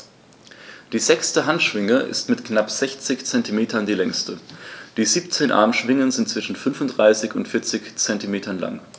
Die sechste Handschwinge ist mit knapp 60 cm die längste. Die 17 Armschwingen sind zwischen 35 und 40 cm lang.